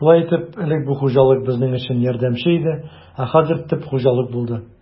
Шулай итеп, элек бу хуҗалык безнең өчен ярдәмче иде, ә хәзер төп хуҗалык булды.